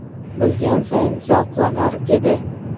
bilgan sayin zavqlanar edi